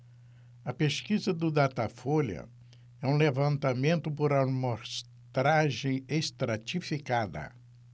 a pesquisa do datafolha é um levantamento por amostragem estratificada